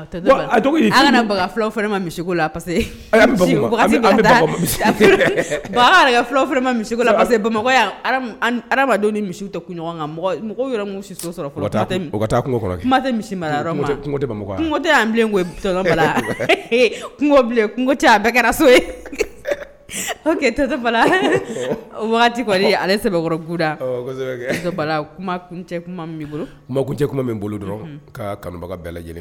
Denw ni misi misi tɛ a kɛra so ale sɛbɛnbɛkɔrɔda bolo dɔrɔn kanubaga bɛɛ lajɛlen